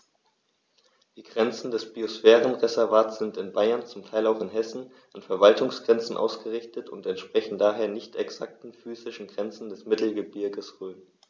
Die Grenzen des Biosphärenreservates sind in Bayern, zum Teil auch in Hessen, an Verwaltungsgrenzen ausgerichtet und entsprechen daher nicht exakten physischen Grenzen des Mittelgebirges Rhön.